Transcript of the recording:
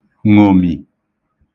ṅòmì